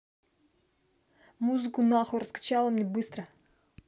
музыку нахуй раскачала мне быстро